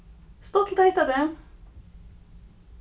stuttligt at hitta teg